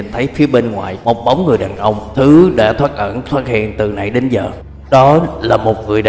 nhìn thấy phía bên ngoài một bóng người đàn ông thứ đã thoắt ẩn thoắt hiện từ nãy đến giờ đó là một người